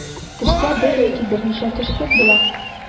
Төштә бер яки берничә төшчек була.